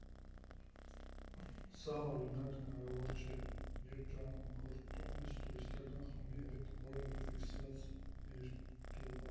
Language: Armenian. Սա, օրինակ, հնարավոր չէ, երբ ճամփորդում ես տուրիստական խմբի հետ որևէ ֆիքսված երթուղով։